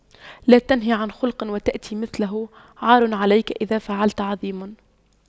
لا تنه عن خلق وتأتي مثله عار عليك إذا فعلت عظيم